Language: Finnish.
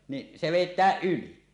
niin se vedetään yli